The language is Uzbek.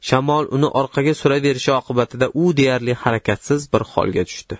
shamol uni orqaga suraverishi oqibatida u deyarli harakatsiz bir holga tushdi